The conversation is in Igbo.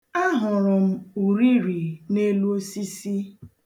Ahụrụ m uriri n'elu osisi.